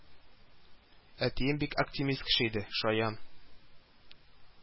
Әтием бик оптимист кеше иде, шаян